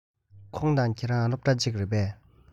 ཁོང དང ཁྱོད རང སློབ གྲྭ གཅིག རེད པས